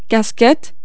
كاصكيط